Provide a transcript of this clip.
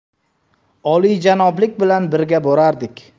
oliyjanoblik bilan birga borardik